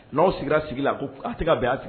N'aw sigira sigila ko aw tɛ ka bɛn a